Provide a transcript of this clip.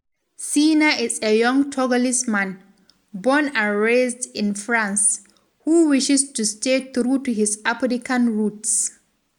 Sena is a young Togolese man, born and raised in France, who wishes to stay true to his African roots.